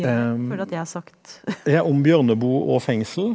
ja om Bjørneboe og fengsel?